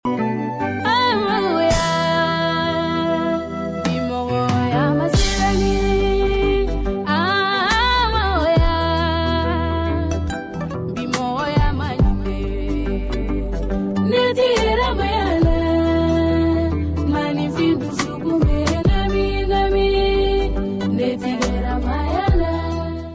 Sabagoya sabago tiledi le manfinkuma bɛ leji le